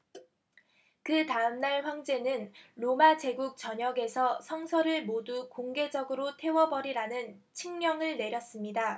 그다음 날 황제는 로마 제국 전역에서 성서를 모두 공개적으로 태워 버리라는 칙령을 내렸습니다